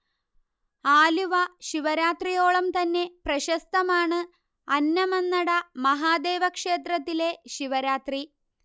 ആലുവ ശിവരാത്രിയോളം തന്നെ പ്രശസ്തമാണ് അന്നമൻനട മഹാദേവ ക്ഷേത്രത്തിലെ ശിവരാത്രി